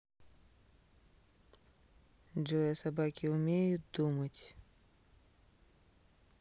джой а собаки умеют думать